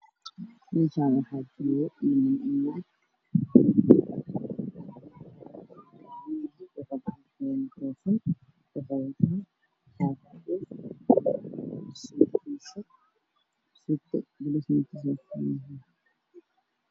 Meeshaan waxaa fadhiya dad fara badan nin ayaa u qudbeynaayo wato sawid cadaan na wuu haystaa dad badan dad badana wasiirsanayaan